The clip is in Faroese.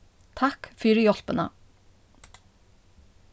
takk fyri hjálpina